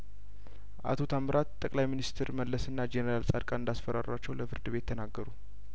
አቶ ታምራት ጠቅለይ ሚንስትር መለስና ጄኔራል ጻድቃን እንዳስፈራሯቸው ለፍርድ ቤት ተናገሩ